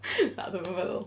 Na, dwi'm yn meddwl.